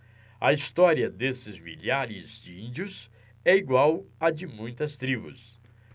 a história desses milhares de índios é igual à de muitas tribos